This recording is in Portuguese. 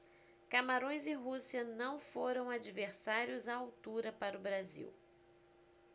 camarões e rússia não foram adversários à altura para o brasil